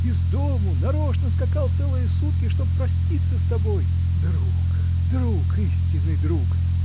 – Из дому, нарочно скакал целые сутки, чтоб проститься с тобой. – Друг! друг! истинный друг!